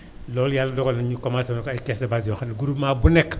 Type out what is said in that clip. loolu yàlla dogal na ñu commencé foofu ay kees de base yoo xam ne groupement bu nekk